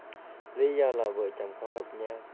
lý do là vợ chồng không hợp nhau